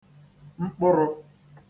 mkpụrụ̄